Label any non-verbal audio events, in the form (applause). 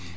(hesitation) (hesitation)